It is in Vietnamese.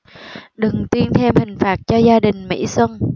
đừng tuyên thêm hình phạt cho gia đình mỹ xuân